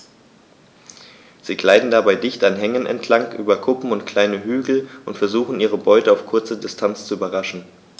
Sie gleiten dabei dicht an Hängen entlang, über Kuppen und kleine Hügel und versuchen ihre Beute auf kurze Distanz zu überraschen.